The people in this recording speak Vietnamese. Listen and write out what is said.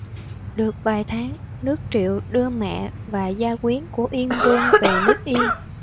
được vài tháng nước triệu đưa mẹ và gia quyến của yên vương về nước yên